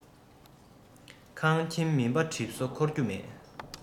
ཁང ཁྱིམ མུན པ གྲིབ སོ འཁོར རྒྱུ མེད